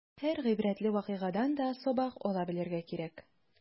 Һәр гыйбрәтле вакыйгадан да сабак ала белергә кирәк.